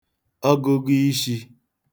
ọgụgụishị̄